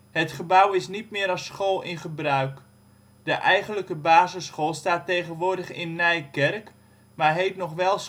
Het gebouw is niet meer als school in gebruik; de eigenlijke basisschool staat tegenwoordig in Nijkerk maar heet nog wel